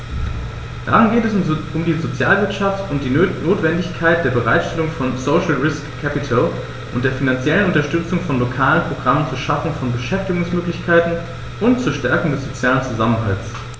Darin geht es um die Sozialwirtschaft und die Notwendigkeit der Bereitstellung von "social risk capital" und der finanziellen Unterstützung von lokalen Programmen zur Schaffung von Beschäftigungsmöglichkeiten und zur Stärkung des sozialen Zusammenhalts.